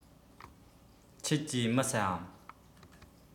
ཁྱེད ཀྱིས མི ཟ འམ